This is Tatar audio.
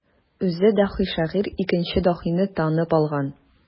Үзе даһи шагыйрь икенче даһине танып алган.